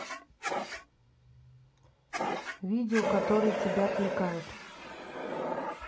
видео которые тебя отвлекают